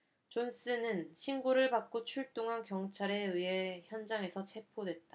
존슨은 신고를 받고 출동한 경찰에 의해 현장에서 체포됐다